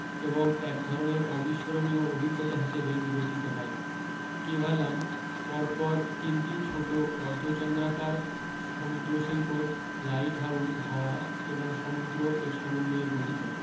এবং একধরনের অবিষ্মরণীয় অভিজ্ঞতা হিসাবে বিবেচিত হয় কোভালাম পরপর তিনটি ছোট অর্ধচন্দ্রাকার সমুদ্রসৈকত লাইটহাউস হাওয়া এবং সমুদ্র এর সমন্বয়ে গঠিত